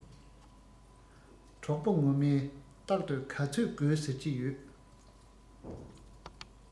གྲོགས པོ ངོ མས རྟག དུ ག ཚོད དགོས ཟེར གྱི ཡོད